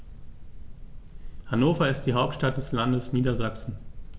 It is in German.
Hannover ist die Hauptstadt des Landes Niedersachsen.